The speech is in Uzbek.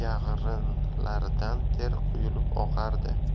yag'rinlaridan ter quyilib oqardi